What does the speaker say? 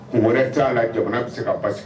Mɔnɛ taara na jamana tɛ se ka basi